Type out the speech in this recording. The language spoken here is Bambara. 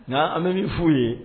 Na an bɛ ni f'u ye